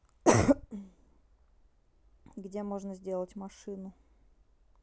где можно сделать машину